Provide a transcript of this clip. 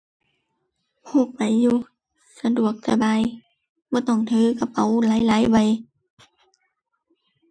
พกไปอยู่ สะดวกสบาย บ่ต้องถือกระเป๋าหลายหลายใบ